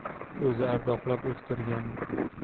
o'zi ardoqlab o'stirgan